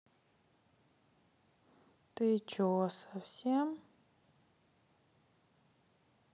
ты че совсем